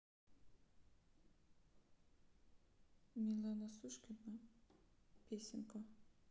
милана сушкина песенка